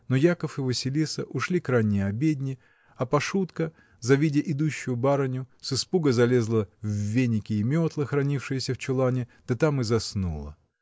Но Яков и Василиса ушли к ранней обедне, а Пашутка, завидя идущую барыню, с испуга залезла в веники и метлы, хранившиеся в чулане, да там и заснула.